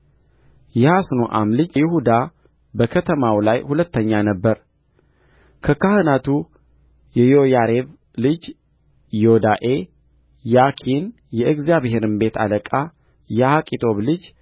የሐስኑአም ልጅ ይሁዳ በከተማው ላይ ሁለተኛ ነበረ ከካህናቱ የዮያሪብ ልጅ ዮዳኤ ያኪን የእግዚአብሔርም ቤት አለቃ የአኪጦብ ልጅ